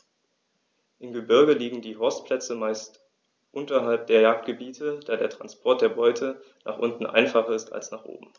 Im Gebirge liegen die Horstplätze meist unterhalb der Jagdgebiete, da der Transport der Beute nach unten einfacher ist als nach oben.